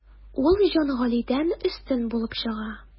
Ул Җангалидән өстен булып чыга.